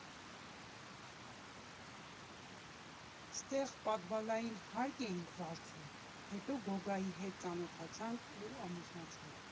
Ստեղ պադվալային հարկ էինք վարձում, հետո Գոգայի հետ ծանոթացանք ու ամուսնացանք։